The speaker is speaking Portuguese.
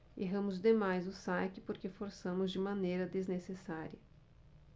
erramos demais o saque porque forçamos de maneira desnecessária